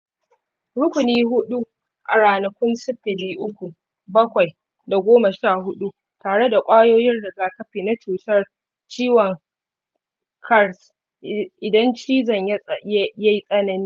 rukuni huɗu a ranakun sifili, uku, bakwai, da goma sha huɗu, tare da kwayoyin rigakafi na cutar cizon kars idan cizon ya yi tsanani.